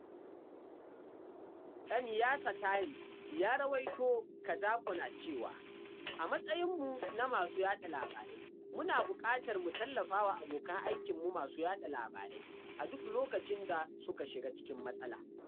Nyasatimes ya rawaito Kazako na cewa, ''A matsayin mu na masu yaɗa labarai, muna buƙatar mu tallafa wa abokan aikinmu masu yaɗa labarai a duk lokacin da suka shiga cikin matsala.